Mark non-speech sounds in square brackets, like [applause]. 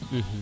[hesitation] [hesitation]